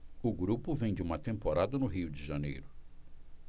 o grupo vem de uma temporada no rio de janeiro